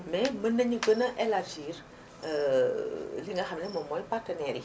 mais mën nañu gën a élargir li nga xam ne moom mooy partenaires yi